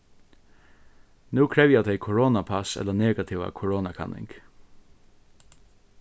nú krevja tey koronapass ella negativa koronakanning